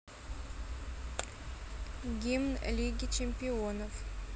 гимн лиги чемпионов